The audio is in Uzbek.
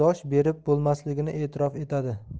dosh berib bo'lmasligini etirof etadi